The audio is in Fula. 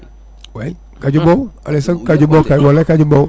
ouais ka jooɓowo alay saago ka jaoɓowo wallay ka jooɓowo